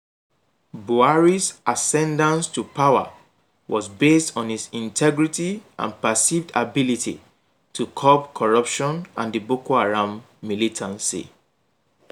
Buhari's ascendance to power was based on his integrity and perceived ability to curb corruption and the Boko Haram militancy.